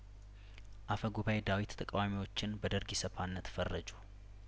አፈጉባኤ ዳዊት ተቃዋሚዎችን በደርግ ኢሰፓነት ፈረጁ